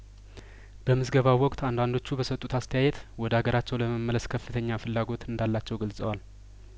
በምዝገባው ወቅት አንዳንዶቹ በሰጡት አስተያየት ወደ አገራቸው ለመመለስ ከፍተኛ ፍላጐት እንዳላቸው ገልጸዋል